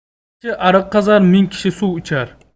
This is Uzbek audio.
bir kishi ariq qazar ming kishi suv ichar